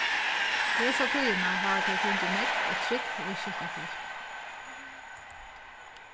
hesa tíðina hava tey fingið nógv og trúgv viðskiftafólk